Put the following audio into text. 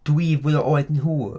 Dwi fwy o oed nhw.